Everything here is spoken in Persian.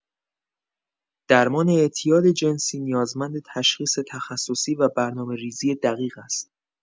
درمان اعتیاد جنسی نیازمند تشخیص تخصصی و برنامه‌ریزی دقیق است.